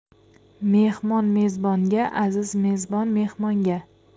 mehmon mezbonga aziz mezbon mehmonga